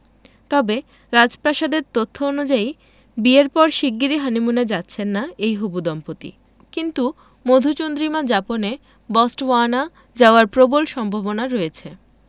তবে রাজপ্রাসাদের তথ্য অনুযায়ী বিয়ের পর শিগগিরই হানিমুনে যাচ্ছেন না এই হবু দম্পতি কিন্তু মধুচন্দ্রিমা যাপনে বটসওয়ানা যাওয়ার প্রবল সম্ভাবনা রয়েছে